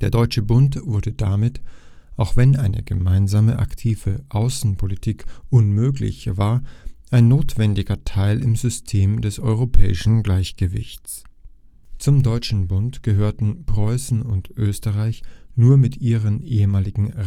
Deutsche Bund wurde damit, auch wenn eine gemeinsame aktive Außenpolitik unmöglich war, ein notwendiger Teil im System des europäischen Gleichgewichts. Zum Deutschen Bund gehörten Preußen und Österreich nur mit ihren ehemaligen Reichsländern